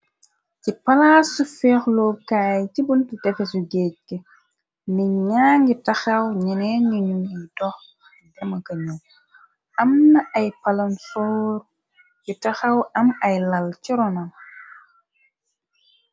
Ci palaas su feeh lookaay ci buntu defeesu jéejg ni ñaa ngi taxaw ñenee ngi ñu nuy dox dema ka ñu am na ay palonfoor yu taxaw am ay lall ci ronam.